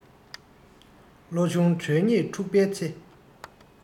བློ ཆུང གྲོས ཉེས འཁྲུགས པའི ཚེ